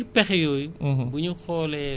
te jafe-jafe yu gën bëri